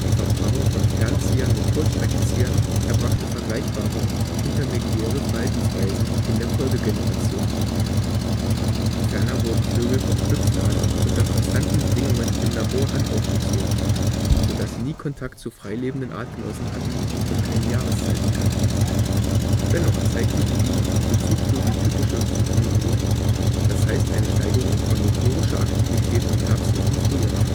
Verpaarung von Fernziehern mit Kurzstreckenziehern erbrachte vergleichbare intermediäre Verhaltensweisen in der Folgegeneration. Ferner wurden Vögel vom Schlüpfen an unter konstanten Bedingungen im Labor handaufgezogen, so dass sie nie Kontakt zu frei lebenden Artgenossen hatten und keine Jahreszeiten kannten. Dennoch zeigten sie die für Zugvögel typische Zugunruhe, das heißt eine Steigerung von motorischer Aktivität im Herbst und im Frühjahr